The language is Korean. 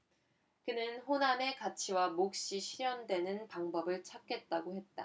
그는 호남의 가치와 몫이 실현되는 방법을 찾겠다고 했다